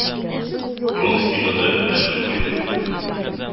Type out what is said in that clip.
Вронскийга да нәкъ шулай тоелды.